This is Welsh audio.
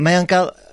mae o'n ga'l